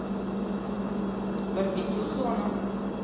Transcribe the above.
барбекю зона